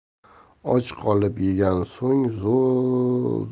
och qolib yegan so'ng